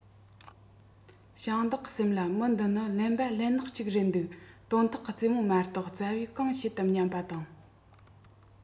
ཞིང བདག གི སེམས ལ མི འདི ནི གླེན པ གླེན ནག ཅིག རེད འདུག སྟོན ཐོག གི ཙེ མོ མ གཏོགས ཙ བས གང བྱེད དམ སྙམ པ དང